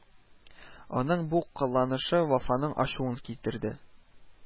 Аның бу кыланышы Вафаның ачуын китерде: